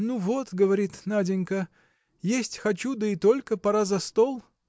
Ну вот, говорит Наденька: Есть хочу да и только! пора за стол.